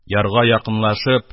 Ярга якынлашып